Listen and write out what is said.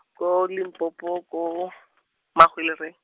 ko Limpopo ko, Mahwelereng.